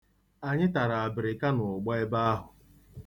Anyị tara abịrịka na ụgba ebe ahụ.